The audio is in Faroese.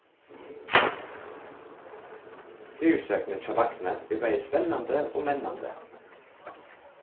fyrisøgnin hjá vagni er bæði spennandi og mennandi